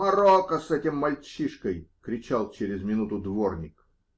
-- Морока с этим мальчишкой, -- кричал через минуту дворник.